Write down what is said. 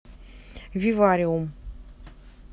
вивариум